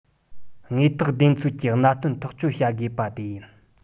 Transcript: དངོས ཐོག བདེན འཚོལ གྱིས གནད དོན ཐག གཅོད བྱ དགོས པ དེ ཡིན